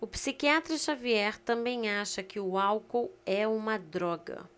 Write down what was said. o psiquiatra dartiu xavier também acha que o álcool é uma droga